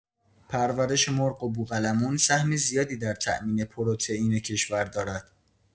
پرورش مرغ و بوقلمون سهم زیادی در تأمین پروتئین کشور دارد.